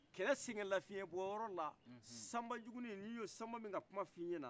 kɛlɛ sɛgɛnnafiiyɛnbɔyɔrɔ la sambajugunin ni n ye samba min ka kuma fɔ i ɲɛnɛ